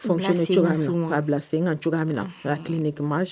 Ka bila sen ka cogoya min na ka ki de